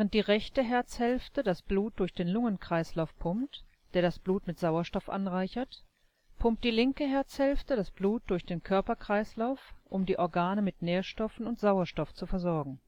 die rechte Herzhälfte das Blut durch den Lungenkreislauf pumpt, der das Blut mit Sauerstoff anreichert, pumpt die linke Herzhälfte das Blut durch den Körperkreislauf, um die Organe mit Nährstoffen und Sauerstoff zu versorgen